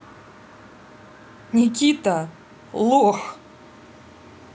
никита лох